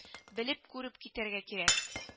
Белеп-күреп китәргә кирәк